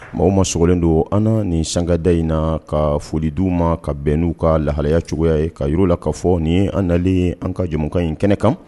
Mɔgɔ ma sogolen don an nin sangada in na ka foli' ma ka bɛn n'u ka laharaya cogoya ka yɔrɔ la k kaa fɔ nin an na an ka jamana in kɛnɛ kan